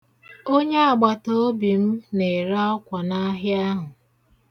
Onyeagbataobi m na-ere akwa n'ahịa ahụ.